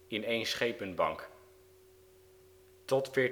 in één Schepenbank. Tot 1494